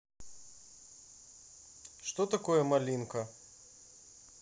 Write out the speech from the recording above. что такое малинка